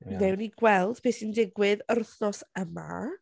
Wnawn ni gweld be sy'n digwydd yr wthnos yma.